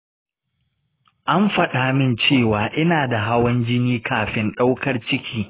an fadamin cewa ina da hawan jini kafin daukar ciki.